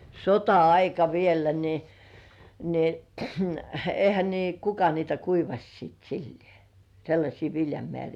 sota-aika vielä niin niin eihän niin kuka niitä kuivasi sitten sillä lailla sellaisia viljamääriä